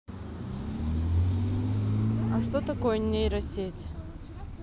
а что такое нейросеть